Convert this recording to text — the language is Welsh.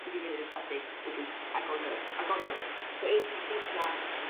'yf fi'n mynd i'r ysbyty because I gora go I gora go so es i syth 'na